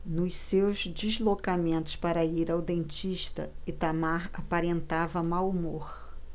nos seus deslocamentos para ir ao dentista itamar aparentava mau humor